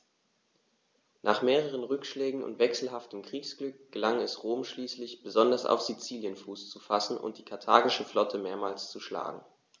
Nach mehreren Rückschlägen und wechselhaftem Kriegsglück gelang es Rom schließlich, besonders auf Sizilien Fuß zu fassen und die karthagische Flotte mehrmals zu schlagen.